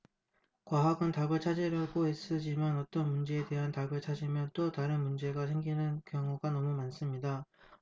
과학은 답을 찾으려고 애쓰지만 어떤 문제에 대한 답을 찾으면 또 다른 문제가 생기는 경우가 너무나 많습니다